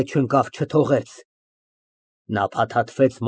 Բավական է, Մարգարիտ։ Ես չունիմ իրավունք քեզ հանդիմանելու, բայց այլևս լռել չեմ կարող։